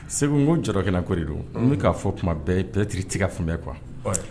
Segu n ko jarakɛ ko de don n k'a fɔ tuma bɛɛ bɛɛtiri tigɛ tun bɛɛ kuwa